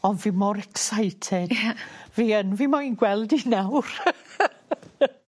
Ond fi mor excited Ia. Fi yn fi moyn gweld 'i nawr.